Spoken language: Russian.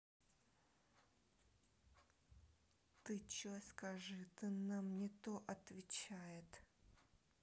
ты че скажи ты нам не то отвечает